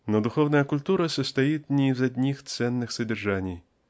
Но духовная культура состоит не из одних ценных содержаний.